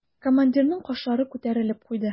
Командирның кашлары күтәрелеп куйды.